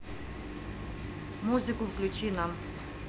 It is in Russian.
музыку включи нам